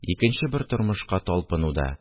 Икенче бер тормышка талпыну да